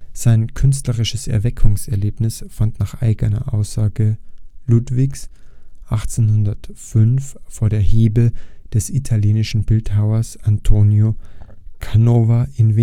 Sein künstlerisches Erweckungserlebnis fand nach eigener Aussage Ludwigs 1805 vor der Hebe des italienischen Bildhauers Antonio Canova in